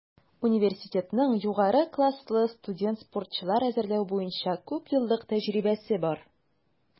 Университетның югары класслы студент-спортчылар әзерләү буенча күпьеллык тәҗрибәсе бар.